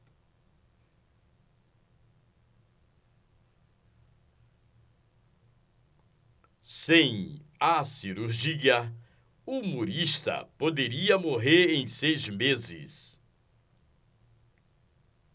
sem a cirurgia humorista poderia morrer em seis meses